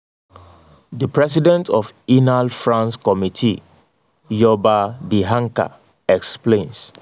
The president of the Inal-France Committee, Youba Dianka, explains: